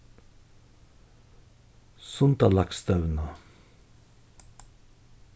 sundalagsstevna